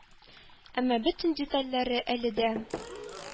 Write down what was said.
Әмма бөтен детальләре әле дә